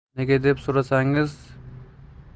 nega deb so'rasangiz biz biror